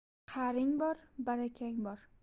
qaring bor barakang bor